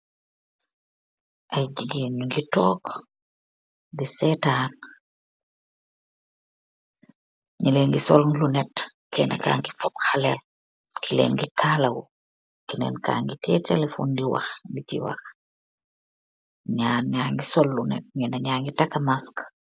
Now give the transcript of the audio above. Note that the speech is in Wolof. Iiiy gigain nju ngi tok, dii setan, njehleh ngi sol lunett, kenah kaa ngi fobb halel, kiileh ngi kaalaw wu, kenen kaa ngi tiyeh telefon dii wakh di chi wakh, njarr njaah ngii sol lunett, njehnen nja ngy takah mask.